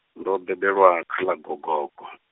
ndo bebelwa, kha ḽa Gogogo.